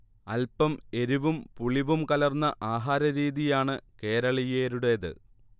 അല്പം എരിവും പുളിവും കലർന്ന ആഹാരരീതിയാണ് കേരളീയരുടേത്